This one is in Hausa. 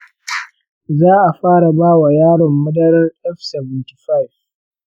za a fara ba wa yaron madarar f-75.